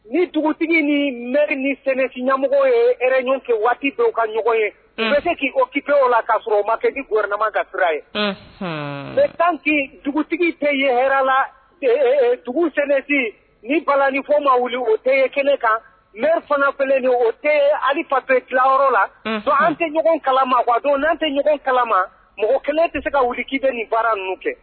Ni dugutigi ni m ni sɛnɛ ɲɛmɔgɔ ye ɲɔgɔn kɛ waati dɔw ka ɲɔgɔn ye k' ki o la ka sɔrɔ o ma kɛ di wɛrɛma ka sira ye kin dugutigi tɛ ye hɛrɛ la duguti ni bala ni fɔ ma wuli o tɛ ye kɛnɛ kan mɛ fana kɛlen o tɛ ali fafe dilanyɔrɔ la an tɛ ɲɔgɔn kalamado n'an tɛ ɲɔgɔn kalama mɔgɔ kelen tɛ se ka wuli k' bɛ ni baara ninnu kɛ